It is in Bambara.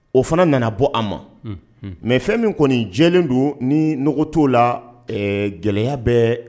O fana nana bɔ a ma, unhun, mais fɛn min kɔnni jɛlen don ni nɔgɔ t'o la ɛɛ gɛlɛya bɛ